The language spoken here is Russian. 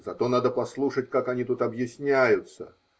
Зато надо послушать, как они тут объясняются.